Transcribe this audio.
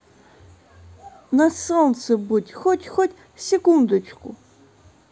на солнце будет хоть хоть секундочку